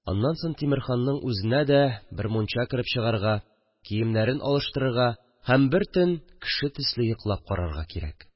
Аннан соң Тимерханның үзенә дә бер мунча кереп чыгарга, киемнәрен алыштырырга һәм бер төн кеше төсле йоклап карарга кирәк